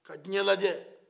ka diɲɛ lajɛ